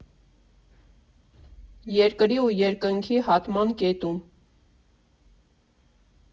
Երկրի ու երկնքի հատման կետում։